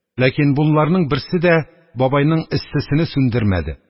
Ләкин бунларның берсе дә бабайның эссесене сүндермәде.